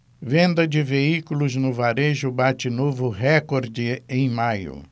venda de veículos no varejo bate novo recorde em maio